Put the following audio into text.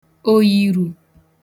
òyìrù